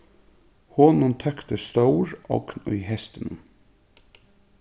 honum tókti stór ogn í hestinum